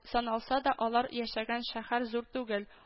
Саналса да алар яшәгән шәһәр зур түгел